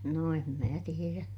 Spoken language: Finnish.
no en minä tiedä